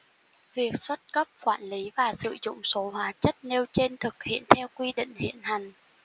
việc xuất cấp quản lý và sử dụng số hóa chất nêu trên thực hiện theo quy định hiện hành